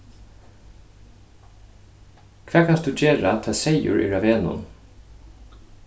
hvat kanst tú gera tá seyður er á vegnum